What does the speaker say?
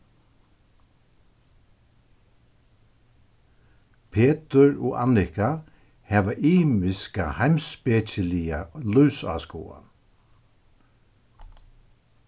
petur og annika hava ymiska heimspekiliga lívsáskoðan